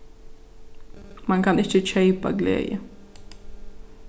mann kann ikki keypa gleði